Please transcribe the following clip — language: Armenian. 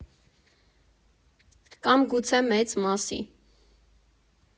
Կամ գուցե մեծ մասի։